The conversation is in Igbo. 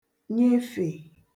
nyefè